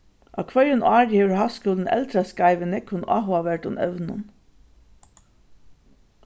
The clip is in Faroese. á hvørjum ári hevur háskúlin eldraskeið við nógvum áhugaverdum evnum